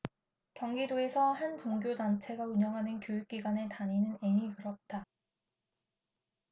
경기도에서 한 종교단체가 운영하는 교육기관에 다니는 앤이 그렇다